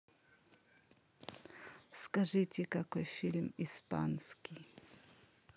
скажите какой фильм испанский